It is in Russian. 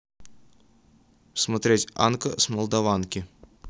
смотреть анка с молдаванки